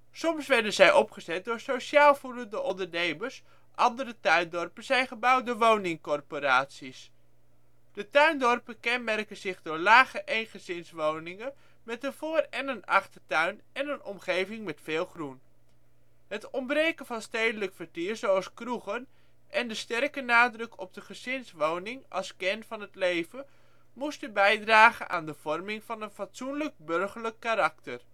Soms werden zij opgezet door sociaal voelende ondernemers, andere tuindorpen zijn gebouwd door woningcorporaties. De tuindorpen kenmerken zich door lage eengezingswoningen met een voor - en een achtertuin en een omgeving met veel groen. Het ontbreken van stedelijk vertier zoals kroegen, en de sterke nadruk op de gezinswoning als kern van het leven, moesten bijdragen aan de vorming van een fatsoenlijk, burgerlijk karakter